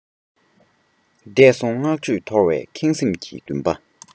འདས སོང བསྔགས བརྗོད ཐོར བའི ཁེངས སེམས ཀྱི འདུན པ